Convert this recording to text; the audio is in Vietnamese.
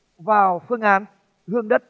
vào phương án hương đất